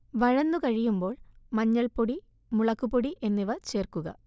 വഴന്നു കഴിയുമ്പോൾ മഞ്ഞൾപ്പൊടി, മുളക്പൊടി എന്നിവ ചേർക്കുക